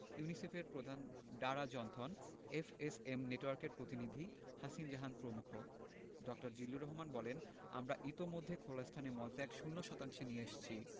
ইউনিসেফের প্রাধান Dara Johnston FSM নেটওয়ার্কের প্রতিনিধি হাসিন জাহান প্রমুখ ড. বলেন জিল্লুর রহমান আমরা ইতিমধ্যে খোলা স্থানে মলত্যাগ শূন্য শতাংশে নিয়ে এসেছি